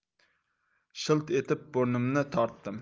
shilt etib burnimni tortdim